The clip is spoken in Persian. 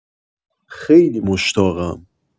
خیلی مشتاقم